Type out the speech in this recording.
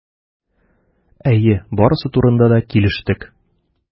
Әйе, барысы турында да килештек.